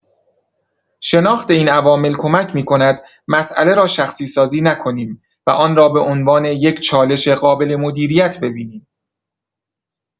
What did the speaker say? شناخت این عوامل کمک می‌کند مسئله را شخصی‌سازی نکنیم و آن را به‌عنوان یک چالش قابل مدیریت ببینیم.